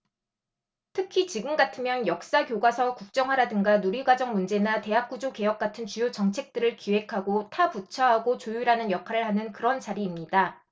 특히 지금 같으면 역사교과서 국정화라든가 누리과정 문제나 대학 구조개혁 같은 주요 정책들을 기획하고 타 부처하고 조율하는 역할을 하는 그런 자리입니다